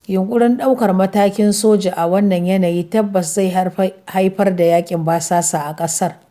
Yunƙurin ɗaukar matakin soji a wannan yanayi tabbas zai haifar da yaƙin basasa a ƙasar.